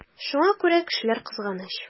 Шуңа күрә кешеләр кызганыч.